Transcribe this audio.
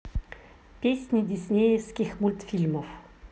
песни диснеевских мультфильмов